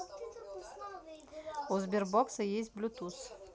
у сбербокса есть bluetooth